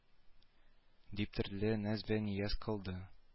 Дип төрле наз вә нияз кыйлды